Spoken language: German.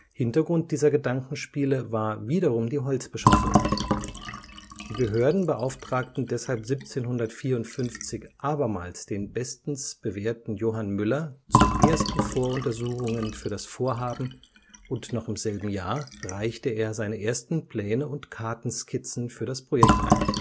Hintergrund dieser Gedankenspiele war wiederum die Holzbeschaffung. Die Behörden beauftragten deshalb 1754 abermals den bestens bewährten Johann Müller zu ersten Voruntersuchungen für das Vorhaben und noch im selben Jahr reichte er seine ersten Pläne und Kartenskizzen für das Projekt ein